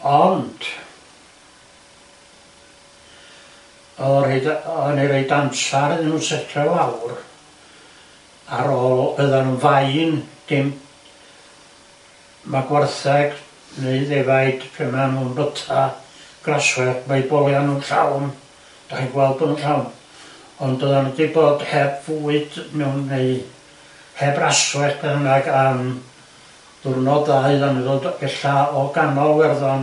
Ond o rhaid iddo... oedd o reid amsar iddyn n'w setlo i lawr ar ôl... o'ddan n'w'n fain dim... ma' gwartheg neu ddefaid pe ma' n'w'n byta graswell ma' eu boliau n'w'n llawn dach chi'n gweld bo' n'w'n llawn ond o'ddan n'w di bod heb fwyd mewn neu heb raswell be bynnag am ddiwrnod ddau o'ddan n'w ddo- ella o ganol Werddon